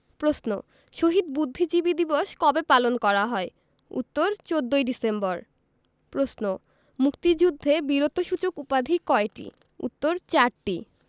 প্রশ্ন শহীদ বুদ্ধিজীবী দিবস কবে পালন করা হয় উত্তর ১৪ ডিসেম্বর প্রশ্ন মুক্তিযুদ্ধে বীরত্বসূচক উপাধি কয়টি উত্তর চারটি